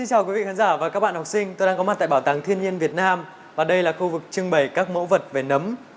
chào quý vị khán giả và các bạn học sinh tôi đang có mặt tại bảo tàng thiên nhiên việt nam và đây là khu vực trưng bày các mẫu vật về nấm